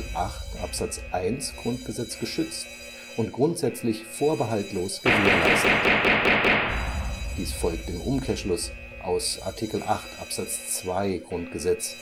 8 Abs. 1 GG geschützt und grundsätzlich vorbehaltlos gewährleistet. Dies folgt im Umkehrschluss aus Art. 8 Abs. 2 GG